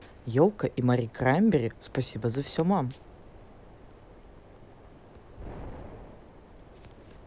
елка и мари краймбрери спасибо за все мам